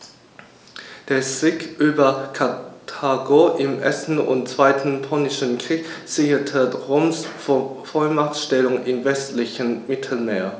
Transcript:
Der Sieg über Karthago im 1. und 2. Punischen Krieg sicherte Roms Vormachtstellung im westlichen Mittelmeer.